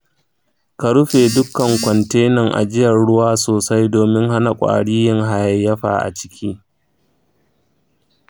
ka rufe dukkan kwantenan ajiyar ruwa sosai domin hana kwari yin hayayyafa a ciki.